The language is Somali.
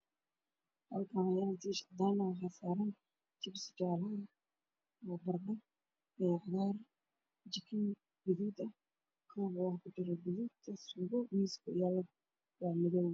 Halkan waa miis cadan waxa saaran jibsi jaalo cagar chekin gadud miiska u yalo waa madow